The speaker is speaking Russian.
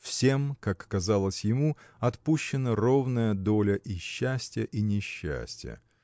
всем, как казалось ему, отпущена ровная доля и счастья и несчастья.